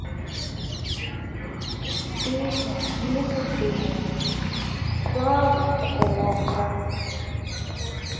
песня нету времени клава кока